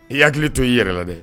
I hakili t to y ii yɛrɛ la dɛ